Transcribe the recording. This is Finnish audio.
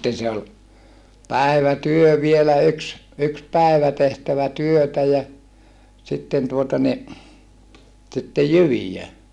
sitten se oli päivätyö vielä yksi yksi päivä tehtävä työtä ja sitten tuota niin sitten jyviä